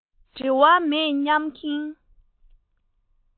འབྲེལ བ མེད སྙམ གྱིན